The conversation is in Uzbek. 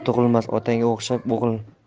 tug'ilmas otaga o'xshab o'g'il